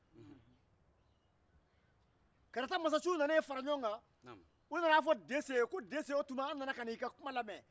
karata masasiw nana a fɔ dese ye ko u nana a ka kuma lamɛn